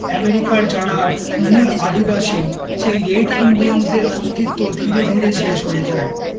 এমেরিকার যারা মূল আদিবাসী সেই রেড ইন্ডিয়ানদের অস্তিত্ব ধীরে ধীরে শেষ হয়ে যায়